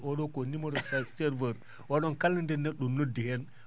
o?o o numéro ser serveur o?on kala nde ne??o noddi heen